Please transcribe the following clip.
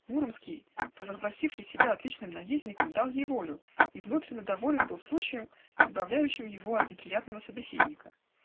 Муромский, провозгласивший себя отличным наездником, дал ей волю и внутренне доволен был случаем, избавляющим его от неприятного собеседника.